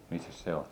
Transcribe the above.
missäs se on